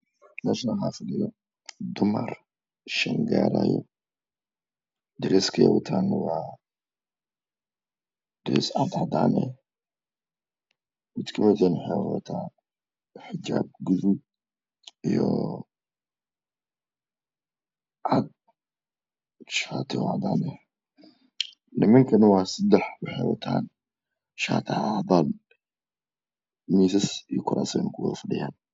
Meeshani aan fadhiyo shan gaadhaya diraska ay wataan cad cadana ah xijaab gudu ah niamna waa saxex shaati cadaan ah